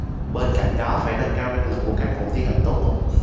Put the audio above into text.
bên cạnh đó phải nâng cao năng lực của cán bộ tiến hành tố tụng